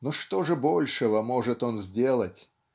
но что же большего может он сделать?